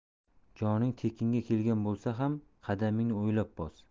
joning tekinga kelgan bo'lsa ham qadamingni o'ylab bos